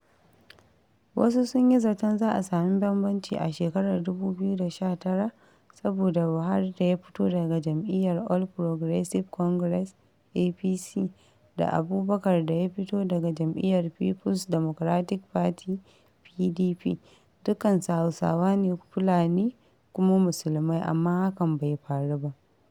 Wasu sun yi zaton za a sami bambamci a shekarar 2019 saboda Buhari da ya fito daga jam'iyyar All Progressive Congress (APC) da Abubakar da ya fito daga jam'iyyar People's Democratic Party (PDP) dukkansu Hausawa ne Fulani kuma Musulmai amma hakan bai faru ba.